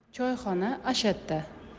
choyxona ashatda